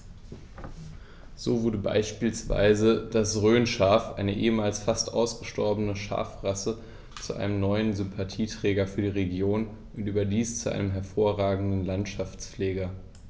So wurde beispielsweise das Rhönschaf, eine ehemals fast ausgestorbene Schafrasse, zu einem neuen Sympathieträger für die Region – und überdies zu einem hervorragenden Landschaftspfleger.